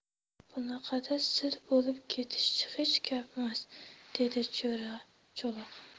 bunaqada sil bo'lib ketish hech gapmas dedi jo'ra cho'loq